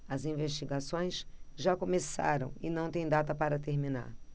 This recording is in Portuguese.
as investigações já começaram e não têm data para terminar